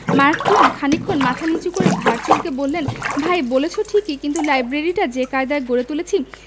mark Twain খানিকক্ষণ মাথা নিচু করে ঘাড় চুলকে বললেন ভাই বলেছ ঠিকই কিন্তু লাইব্রেরিটা যে কায়দায় গড়ে তুলেছি